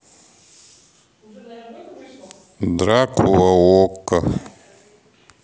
дракула окко